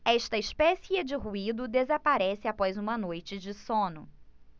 esta espécie de ruído desaparece após uma noite de sono